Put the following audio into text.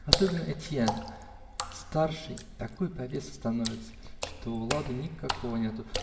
особенно Этьен -- старший, такой повеса становится, что ладу никакого нет